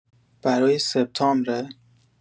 برای سپتامبره؟